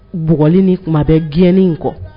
Bugɔlen tuma bɛ diɲɛi kɔ